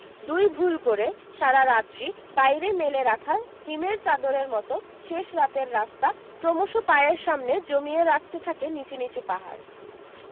দুই ভুল করে সারা রাত্রি বাইরে মেলে রাখা হিমের চাদরের মতো শেষরাতের রাস্তা ক্রমশ পায়ের সামনে জমিয়ে রাখতে থাকে নীচু নীচু পাহাড়